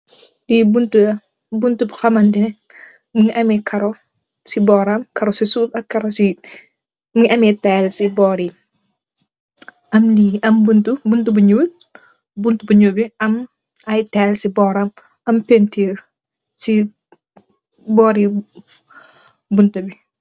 Lii buntu la, buntu boo xamante ni, mu ngi amee caroo si bóoram. Caro si suuf ak caro si, Mu ngi amee tayil si boori, am buntu bu ñuul, buntu bu ñuul bi am, ay taayil si bóoram, am peentir si boor i, buntu bi.